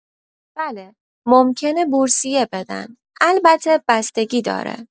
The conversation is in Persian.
بله ممکنه بورسیه بدن، البته بستگی داره